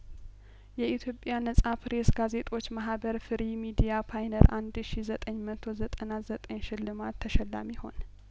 የኢትዮጵያ ነጻ ፐሬ ስጋዜጠኞች ማህበር ፍሪ ሚዲያፓይነር አንድ ሺ ዘጠኝ መቶ ዘጠና ዘጠኝ ሽልማት ተሸላሚ ሆነ